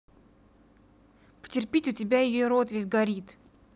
потерпите у тебя ее рот весь горит